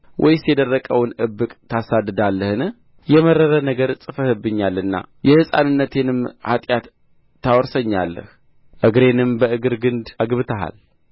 ወይስ የደረቀውን ዕብቅ ታሳድዳለህን የመረረ ነገር ጽፈህብኛልና የሕፃንነቴንም ኃጢአት ታወርሰኛለህ እግሬንም በእግር ግንድ አግብተሃል